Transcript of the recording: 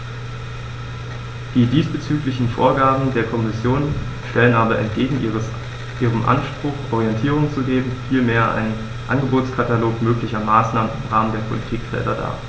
Die diesbezüglichen Vorgaben der Kommission stellen aber entgegen ihrem Anspruch, Orientierung zu geben, vielmehr einen Angebotskatalog möglicher Maßnahmen im Rahmen der Politikfelder dar.